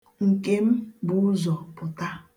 Nke m bu ụzọ pụta.